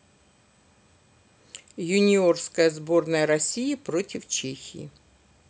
юниорская сборная россии против чехии